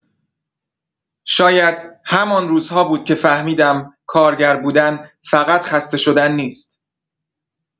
شاید همان روزها بود که فهمیدم کارگر بودن فقط خسته شدن نیست.